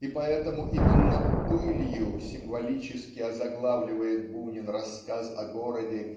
И поэтому именно "Пылью" символически озаглавливает Бунин рассказ о городе